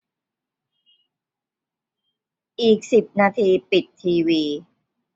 อีกสิบนาทีปิดทีวี